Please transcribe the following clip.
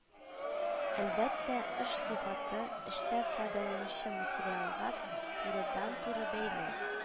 Әлбәттә, эш сыйфаты эштә файдаланучы материалга турыдан-туры бәйле